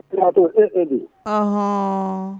Kirato e edi